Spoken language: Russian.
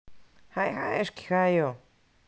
хай хаюшки хаю